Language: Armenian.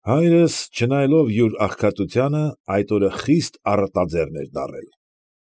Հայրս, չնայելով յուր աղքատությանը, այդ օրը խիստ առատաձեռն էր դառել։